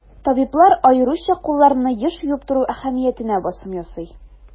Табиблар аеруча кулларны еш юып тору әһәмиятенә басым ясый.